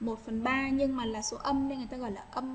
nhưng mà là số âm